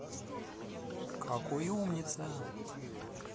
какой умница